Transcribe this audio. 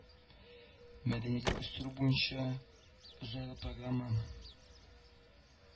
Мәдәниятен үстерү буенча озайлы программа